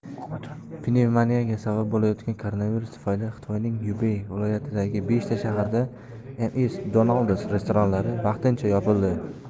pnevmoniyaga sabab bo'layotgan koronavirus tufayli xitoyning xubey viloyatidagi beshta shaharda mcdonald's restoranlari vaqtincha yopildi